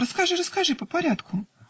Расскажи, расскажи по порядку.